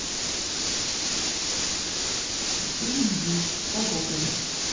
фильм вий по гоголю